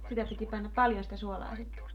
sitä piti panna paljon sitä suolaa sitten